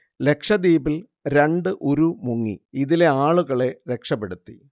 ലക്ഷദ്വീപിൽ രണ്ട് ഉരു മുങ്ങി ഇതിലെ ആളുകളെ രക്ഷപെടുത്തി